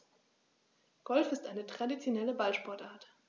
Golf ist eine traditionelle Ballsportart.